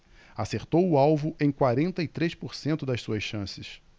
acertou o alvo em quarenta e três por cento das suas chances